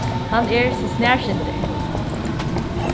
hann er so snarsintur